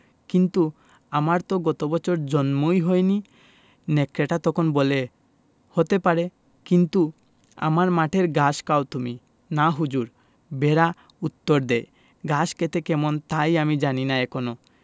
কিন্তু আমার তো গত বছর জন্মই হয়নি নেকড়েটা তখন বলে হতে পারে কিন্তু আমার মাঠের ঘাস খাও তুমি না হুজুর ভেড়া উত্তর দ্যায় ঘাস খেতে কেমন তাই আমি জানি না এখনো